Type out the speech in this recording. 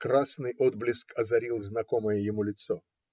Красный отблеск озарил знакомое ему лицо.